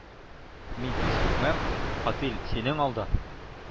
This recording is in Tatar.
Мин тез чүкмәм, катыйль, синең алда,